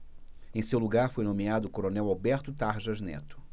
em seu lugar foi nomeado o coronel alberto tarjas neto